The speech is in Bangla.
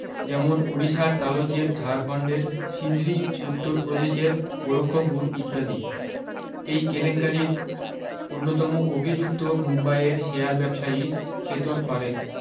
যেমন ওড়িশার তালচের ঝাড়খণ্ডের সিন্ধরি উত্তরপ্রদেশের গোরক্ষপুর ইত্যাদি এই কেলেঙ্কারিরি অন্যতম অভি্যুক্ত মুম্বাইয়ের শেয়ার ব্যবসায়ী কেতন পারেখ